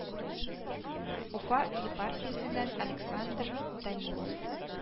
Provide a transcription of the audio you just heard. Уфа епархиясеннән Александр Данилов